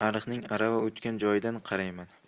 ariqning arava o'tgan joyidan qarayman